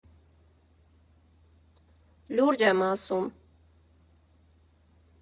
Լուրջ եմ ասում։